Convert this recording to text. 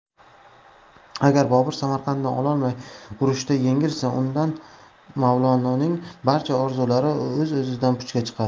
agar bobur samarqandni ololmay urushda yengilsa unda mavlononing barcha orzulari o'zo'zidan puchga chiqadi